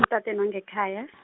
emtatweni wangekhaya .